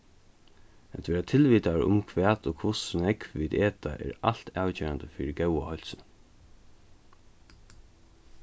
at vera tilvitaður um hvat og hvussu nógv vit eta er alt avgerandi fyri góða heilsu